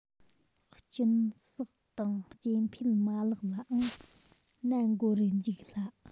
གཅིན ཟགས དང སྐྱེ འཕེལ མ ལག ལའང ནད འགོ རུ འཇུག སླ